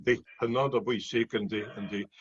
Yndi hynod o bwysig yndi yndi.